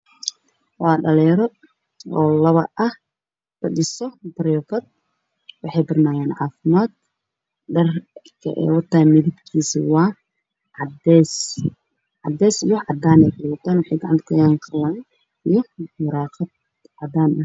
Waa dhalinyaro oo labo ah fadhiyo bareefad waxay baranaayaan caafimaad dharka ay wataan waa cadeys iyo cadaan, waxay gacanta kuwataan qalin iyo waraaqad cadaan ah.